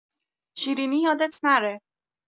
شیرینی یادت نره